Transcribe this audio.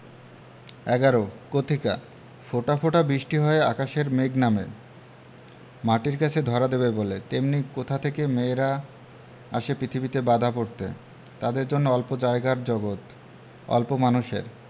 ১১ কথিকা ফোঁটা ফোঁটা বৃষ্টি হয়ে আকাশের মেঘ নামে মাটির কাছে ধরা দেবে বলে তেমনি কোথা থেকে মেয়েরা আসে পৃথিবীতে বাঁধা পড়তে তাদের জন্য অল্প জায়গার জগত অল্প মানুষের